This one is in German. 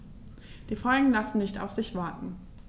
Die Folgen lassen nicht auf sich warten.